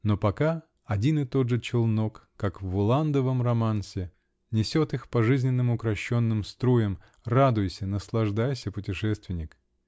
но пока один и тот же челнок, как в Уландовом романсе, несет их по жизненным укрощенным струям -- радуйся, наслаждайся, путешественник!